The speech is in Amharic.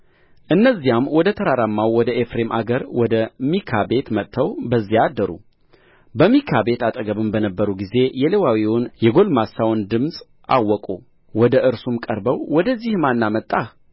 እነዚያም ወደ ተራራማው ወደ ኤፍሬም አገር ወደ ሚካ ቤት መጥተው በዚያ አደሩ በሚካ ቤት አጠገብም በነበሩ ጊዜ የሌዋዊውን የጕልማሳውን ድምፅ አወቁ ወደ እርሱም ቀርበው ወደዚህ ማን አመጣህ